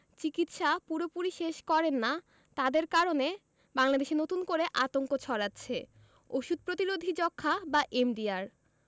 চিকিৎসা পুরোপুরি শেষ করেন না তাদের কারণে বাংলাদেশে নতুন করে আতঙ্ক ছড়াচ্ছে ওষুধ প্রতিরোধী যক্ষ্মা বা এমডিআর